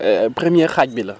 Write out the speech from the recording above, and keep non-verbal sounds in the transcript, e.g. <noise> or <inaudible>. <hesitation> première xaaj bi la